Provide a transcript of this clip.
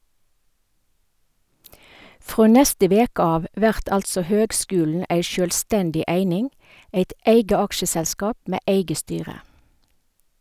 Frå neste veke av vert altså høgskulen ei sjølvstendig eining, eit eige aksjeselskap med eige styre.